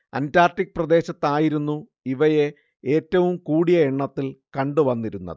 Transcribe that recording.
Antarctic പ്രദേശത്തായിരുന്നു ഇവയെ ഏറ്റവും കൂടിയ എണ്ണത്തിൽ കണ്ടു വന്നിരുന്നത്